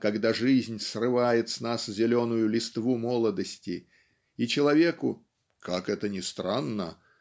когда жизнь срывает с нас зеленую листву молодости и человеку "как это ни странно"